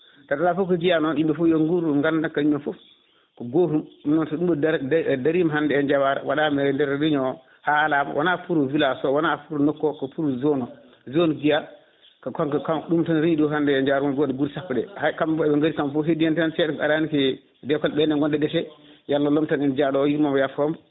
kadi ala fo ko jiya noon yimɓe foof yoo guur ganda kañumen foof ko gotum ɗum noon so ɗum darima hande e Diawar waɗama e nder réunion haalama wona pour village o wona pour nokku o ko pour zone o zone Guiya ko kanko kanko ɗum tagui rewiɗo hande e Diawara * guure sappo ɗe hay kamɓe ndeɓe gaari kamɓe foof heddi hen tan seeɗa ko arani ke * ɓenne gonde décé yo Allah lomtan en jaaɗo o Allah yurmomo yaafomo